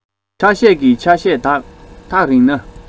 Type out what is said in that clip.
ཆ ཤས ཀྱི ཆ ཤས དག ཐག རིང ན